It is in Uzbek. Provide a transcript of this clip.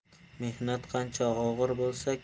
mehnat qancha og'ir bo'lsa